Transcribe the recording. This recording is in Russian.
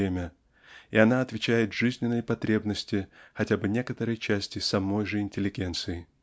время и она отвечает жизненной потребности хотя бы некоторой части самой же интеллигенции.